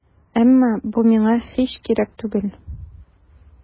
Әмма бу миңа һич кирәк түгел.